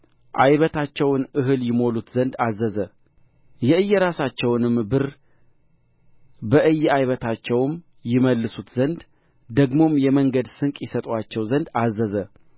ዓይበታቸውን እህል ይሞሉት ዘንድ አዘዘ የእየራሳቸውንም ብር በእየዓይበታቸው ይመልሱት ዘንድ ደግሞም የመንገድ ስንቅ ይሰጡአቸው ዘንድ አዘዘ